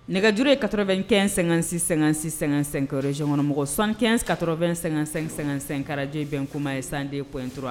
Nɛgɛjuru ye ka2 kɛ--sɛ-sɛ- zkɔnmɔgɔ sankat2---2karaj bɛn kumama ye sandenptu